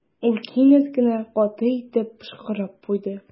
Ул кинәт кенә каты итеп пошкырып куйды.